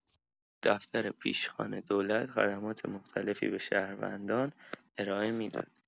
دفتر پیشخوان دولت خدمات مختلفی به شهروندان ارائه می‌داد.